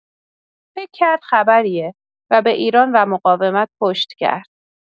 فکر کرد خبریه و به ایران و مقاومت پشت کرد